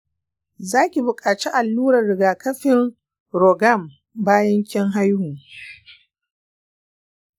zaki buƙaci allurar rigakafin rhogam bayan kin haihu